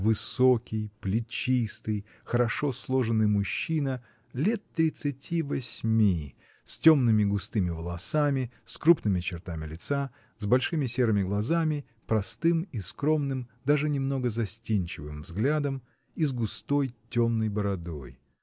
Высокий, плечистый, хорошо сложенный мужчина, лет тридцати осьми, с темными густыми волосами, с крупными чертами лица, с большими серыми глазами, простым и скромным, даже немного застенчивым взглядом и с густой темной бородой.